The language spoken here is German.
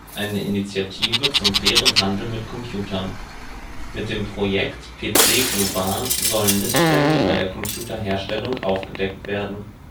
eine Initiative zum fairen Handel mit Computern. Mit dem Projekt „ PC global “sollen Missstände bei der Computerherstellung aufgedeckt werden